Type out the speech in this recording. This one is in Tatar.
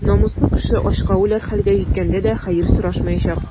Намуслы кеше ачка үләр хәлгә җиткәндә дә хәер сорашмаячак.